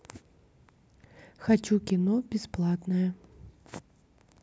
хочу кино бесплатное